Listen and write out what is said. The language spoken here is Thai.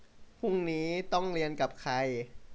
พรุ่งนี้ต้องเรียนกับใคร